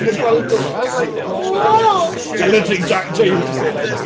yn dal dwylo. I was like "Aww!" A literally, Jaq- Jay was just there like...